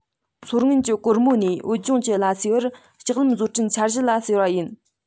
མཚོ སྔོན གྱི གོར མོ ནས བོད ལྗོངས ཀྱི ལྷ སའི བར གྱི ལྕགས ལམ བཟོ སྐྲུན འཆར གཞི ལ ཟེར བ ཡིན